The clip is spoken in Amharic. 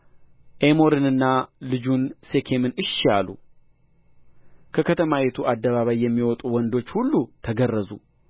ኤሞርንና ልጁን ሴኬምን እሺ አሉ ከከተማይቱ አደባባይ የሚወጡት ወንዶች ሁሉ ተገረዙ